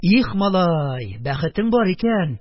Их, малай, бәхетең бар икән.